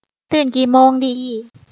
ตื่นกี่โมงดี